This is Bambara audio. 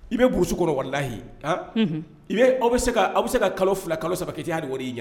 I bɛ bu kɔrɔ warilayi i aw bɛ se aw bɛ se ka kalo fila kalo saba ka ke taa' di wari i ɲɛ